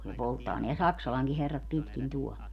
ne polttaa nämä Saksalankin herrat pitkin tuolla